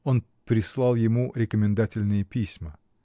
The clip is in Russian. Он прислал ему рекомендательные письма.